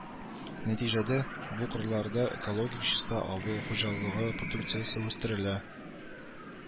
Нәтиҗәдә, бу кырларда экологик чиста авыл хуҗалыгы продукциясе үстерелә